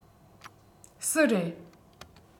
སུ རེད